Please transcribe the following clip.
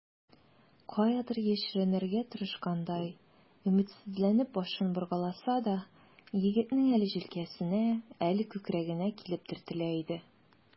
Каядыр яшеренергә тырышкандай, өметсезләнеп башын боргаласа да, егетнең әле җилкәсенә, әле күкрәгенә килеп төртелә иде.